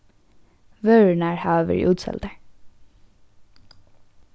vørurnar hava verið útseldar